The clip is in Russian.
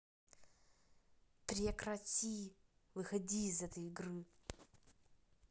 прекрати выходи из этой игры